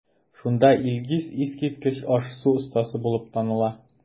Шунда Илгиз искиткеч аш-су остасы булып таныла.